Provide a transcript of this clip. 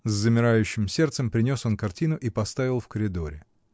С замирающим сердцем принес он картину и оставил в коридоре.